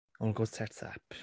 All goes tits up.